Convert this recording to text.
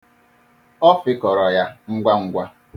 Ọ fịkọrọ ya ngwangwa.